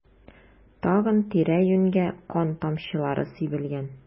Тагын тирә-юньгә кан тамчылары сибелгән.